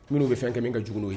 Minnu'o bɛ fɛn kɛ min ka juguw ye